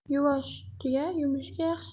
yuvvosh tuya yumushga yaxshi